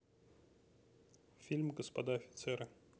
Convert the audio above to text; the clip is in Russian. фильм господа офицеры